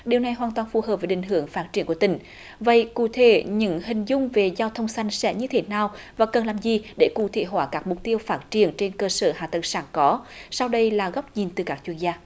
điều này hoàn toàn phù hợp với định hướng phát triển của tỉnh vậy cụ thể những hình dung về giao thông xanh sẽ như thế nào và cần làm gì để cụ thể hóa các mục tiêu phát triển trên cơ sở hạ tầng sẵn có sau đây là góc nhìn từ các chuyên gia